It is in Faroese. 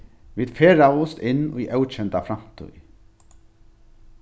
vit ferðaðust inn í ókenda framtíð